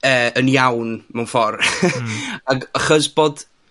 yy yn iawn mewn ffordd. Hmm. Ag, achos bod...